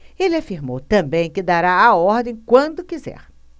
ele afirmou também que dará a ordem quando quiser